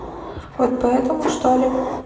вот поэтому что ли